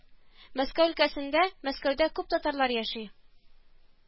Мәскәү өлкәсендә, Мәскәүдә күп татарлар яши